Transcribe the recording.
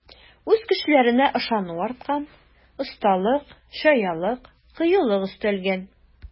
Үз көчләренә ышану арткан, осталык, чаялык, кыюлык өстәлгән.